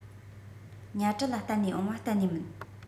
ཉ གྲུ ལ གཏད ནས འོང བ གཏན ནས མིན